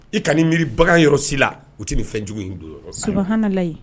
I ka miiribaga yɔrɔ si la u tɛ ni fɛn jugu su halayi